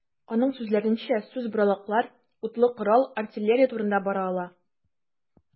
Аның сүзләренчә, сүз боралаклар, утлы корал, артиллерия турында бара ала.